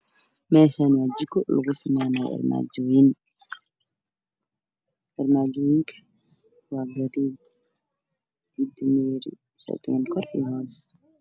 Meeshani waa jiko lagasamaynayo maajawoyin